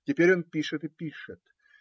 Теперь он пишет и пишет